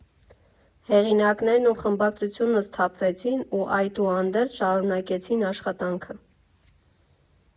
Հեղինակներն ու խմբագրությունը սթափվեցին ու, այդուհանդերձ, շարունակեցին աշխատանքը։